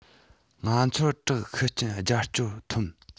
ང ཚོར བཀྲག ཤུགས ཆེན རྒྱབ སྐྱོར ཐོན